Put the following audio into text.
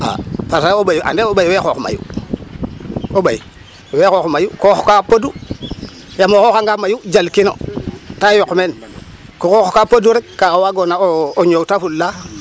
xa'aa parce que o ɓay wee xoox mayu o ɓay wee xoox mayu ko xooxka podu yaam a xooyanga mayu jalkino ka yoq men ko xooxka podu rek ka waagoona o ñowtafulaa.